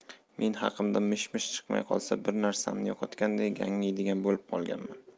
men haqimda mish mish chiqmay qolsa bir narsamni yo'qotganday gangiydigan bo'lib qolganman